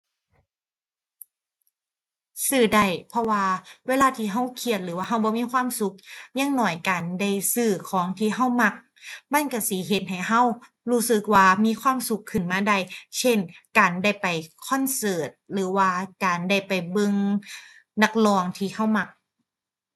ซื้อได้ เพราะว่าเวลาที่เราเครียดหรือว่าเราบ่มีความสุข อย่างน้อยการได้ซื้อของที่เรามัก มันเราสิเฮ็ดให้เรารู้สึกว่ามีความสุขขึ้นมาได้ เช่น การได้ไปคอนเสิร์ตหรือว่าการได้ไปเบิ่ง นักร้องที่เรามัก